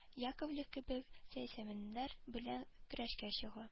Яковлев кебек сәясмәннәр белән көрәшкә чыга